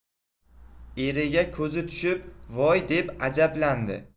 eriga ko'zi tushib voy deb ajablandi